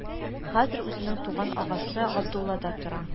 Хәзер үзенең туган агасы Габдуллада тора